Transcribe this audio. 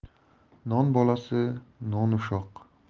non bolasi non ushoq